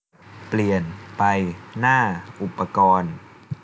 เปลี่ยนไปหน้าอุปกรณ์